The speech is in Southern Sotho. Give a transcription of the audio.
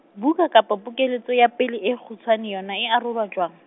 buka kapa pokeletso ya pale e kgutshwane yona e arolwa jwang?